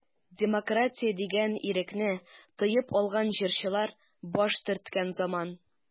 Демократия дигән ирекне тоеп алган җырчылар баш төрткән заман.